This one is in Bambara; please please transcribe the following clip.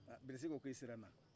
bilisi ko ko i sera n'na